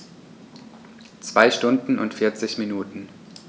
2 Stunden und 40 Minuten